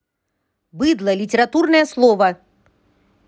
быдло литературное слово